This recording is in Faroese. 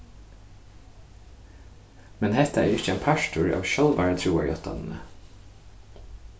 men hetta er ikki ein partur av sjálvari trúarjáttanini